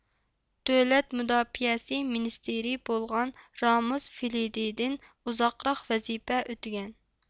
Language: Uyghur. دۆلەت مۇداپىئەسى مىنىستىرى بولغان راموسفېلېددىن ئۇزاقراق ۋەزىپە ئۆتىگەن